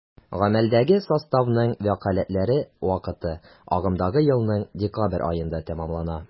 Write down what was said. Гамәлдәге составның вәкаләтләре вакыты агымдагы елның декабрь аенда тәмамлана.